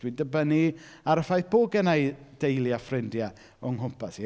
Dwi'n dibynnu ar y ffaith bod gynna i deulu a ffrindiau o'n nghwmpas i.